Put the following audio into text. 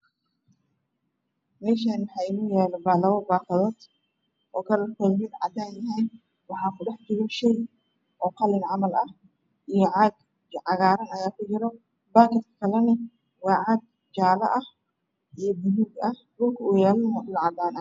Meshaan waxa inoo yaalo labo bakadood oo kalarkoodo mid cadan yahay waxa ku dhaxjiro sheey qalin camal ah io caag cagaran ayaa ku jiro bakadka kalaneh waa caag jalo ah iyo balug ah dhulka oow yaalo neh waa dhul cadaan ah